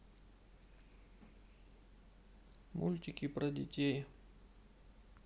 мультики про детей